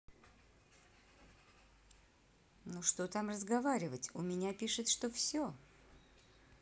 ну что там разговаривать у меня пишет что все